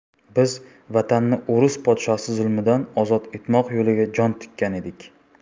biz vatanni o'rus podshosi zulmidan ozod etmoq yo'liga jon tikkan edik